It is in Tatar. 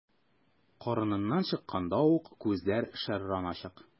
Карыныннан чыкканда ук күзләр шәрран ачык.